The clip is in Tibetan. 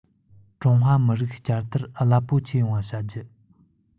ཀྲུང ཧྭ མི རིགས བསྐྱར དར རླབས པོ ཆེ ཡོང བ བྱ རྒྱུ